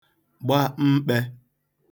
gba mkpē